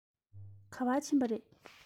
ག པར ཕྱིན པ རེད